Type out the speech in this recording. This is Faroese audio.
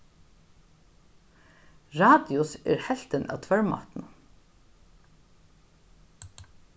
radius er helvtin av tvørmátinum